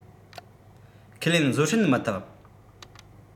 ཁས ལེན བཟོད བསྲན མི ཐུབ